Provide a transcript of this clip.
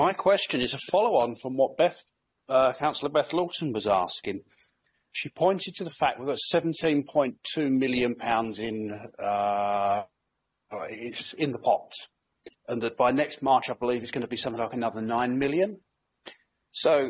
My question is a follow-on from what Beth- counsellor Beth Lawson was asking. She pointed to the fact we've got seventeen point two million pounds in the, in the pot and that by next March I believe it's going to be something like another nine million.